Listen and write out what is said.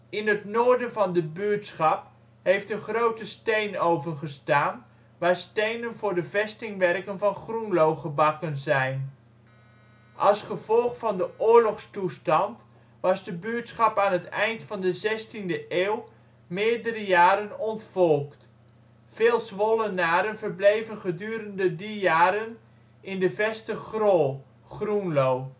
In het noorden van de buurtschap heeft een grote steenoven gestaan, waar stenen voor de vestingwerken van Groenlo gebakken zijn. Als gevolg van de oorlogstoestand was de buurschap aan het eind van de 16e eeuw meerdere jaren ontvolkt. Veel Zwollenaren verbleven gedurende die jaren in de veste Grol (Groenlo